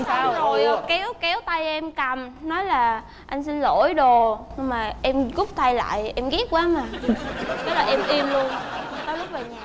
xong rồi kéo kéo tay em cầm nói là anh xin lỗi đồ nhưng mà em rút tay lại em ghét quá mà thế là em im luôn tới lúc về nhà